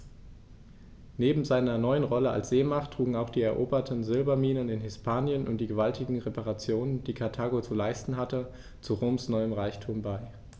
Neben seiner neuen Rolle als Seemacht trugen auch die eroberten Silberminen in Hispanien und die gewaltigen Reparationen, die Karthago zu leisten hatte, zu Roms neuem Reichtum bei.